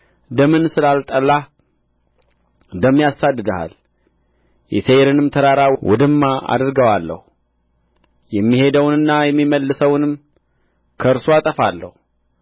ደምን ስላልጠላህ ደም ያሳድድሃል የሴይርንም ተራራ ውድማ አደርገዋለሁ የሚሄደውንና የሚመለሰውንም ከእርሱ አጠፋለሁ